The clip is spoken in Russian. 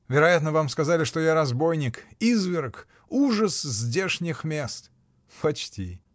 — Вероятно, вам сказали, что я разбойник, изверг, ужас здешних мест! — Почти.